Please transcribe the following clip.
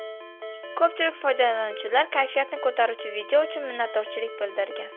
ko'pchilik foydalanuvchilar kayfiyatni ko'taruvchi video uchun minnatdorchilik bildirgan